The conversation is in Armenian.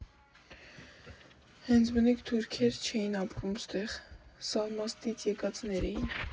Հենց բնիկ թուրքեր չէին ապրում ստեղ, Սալմաստից եկածներ էին։